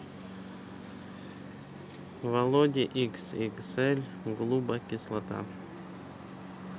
володи xxl глубо кислота